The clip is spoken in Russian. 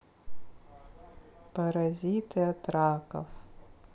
паразиты от раков